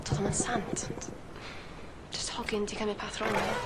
Do'dd o'm yn sant ond jyst hogyn 'di cymryd peth rong o'dd o.